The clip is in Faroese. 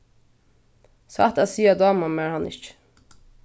satt at siga dámar mær hann ikki